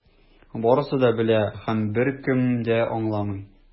Барысы да белә - һәм беркем дә аңламый.